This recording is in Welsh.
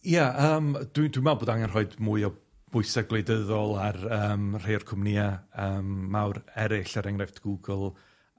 Ie yym dwi dwi'n meddwl bod angen rhoid mwy o bwysau gwleidyddol ar yym rhai o'r cwmnïau yym mawr erill, er enghraifft Google